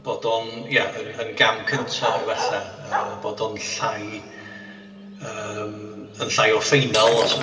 Bod o'n ia yn yn gam cynta efallai, a a bod o'n llai yym yn llai o ffeinal.